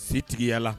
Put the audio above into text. Sitigi yaa